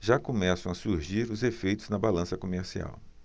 já começam a surgir os efeitos na balança comercial